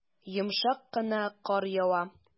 Йомшак кына кар ява.